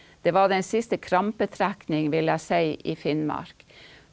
det var den siste krampetrekning vil jeg si i Finnmark.